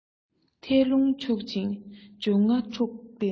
ཐད རླུང འཁྱུག ཅིང འབྱུང ལྔ འཁྲུགས པས ན